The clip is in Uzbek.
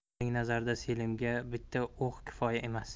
uning nazarida selimga bitta o'q kifoya emas